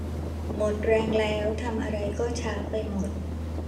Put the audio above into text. หมดแรงแล้วทำอะไรก็ช้าไปหมด